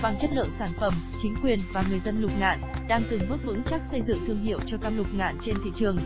bằng chất lượng sản phẩm chính quyền và người dân lục ngạn đang từng bước vững chắc xây dựng thương hiệu cho cam lục ngạn trên thị trường